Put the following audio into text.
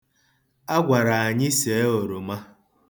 A gwara anyị see oroma.